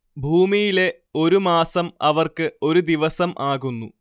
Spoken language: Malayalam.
ഭൂമിയിലെ ഒരു മാസം അവർക്ക് ഒരു ദിവസം ആകുന്നു